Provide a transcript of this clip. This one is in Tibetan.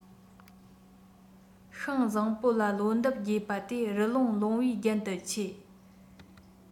ཤིང བཟང པོ ལ ལོ འདབ རྒྱས པ དེ རི ཀླུང ལུང པའི རྒྱན དུ ཆེ